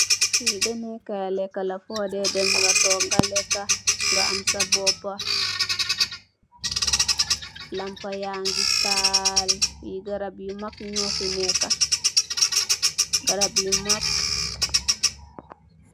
Fii demeh Kai lekka la , fóó deh dem nga tóóg nga lekka , nga am sa boppa , lampú ya ngi tahal, garap yu mak ñó fi nekka.